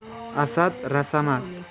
asad rasamat